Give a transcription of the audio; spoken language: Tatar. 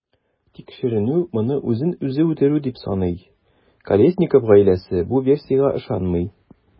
Тикшеренү моны үзен-үзе үтерү дип саный, Колесников гаиләсе бу версиягә ышанмый.